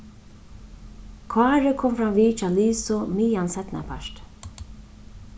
kári kom framvið hjá lisu miðjan seinnapart